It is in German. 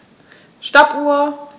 Stoppuhr.